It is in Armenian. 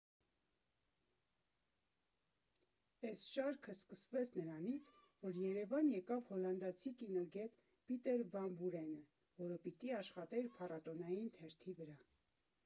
Էս շարքը սկսվեց նրանից, որ Երևան եկավ հոլանդացի կինոգետ Պիտեր վան Բուրենը, որը պիտի աշխատեր փառատոնային թերթի վրա։